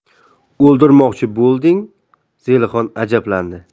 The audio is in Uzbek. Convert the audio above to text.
o'ldirmoqchi bo'lding zelixon ajablandi